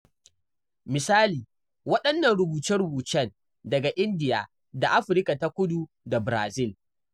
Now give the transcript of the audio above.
Misali, waɗannan rubuce-rubucen daga India da Afirka ta Kudu da Brazil.